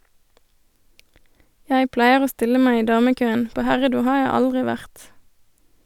Jeg pleier å stille meg i damekøen, på herredo har jeg aldri vært.